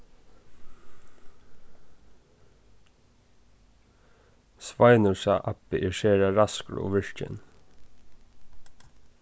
sveinursa abbi er sera raskur og virkin